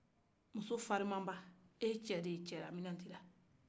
repetition